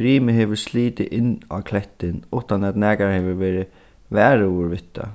brimið hevur slitið inn á klettin uttan at nakar hevur verið varugur við tað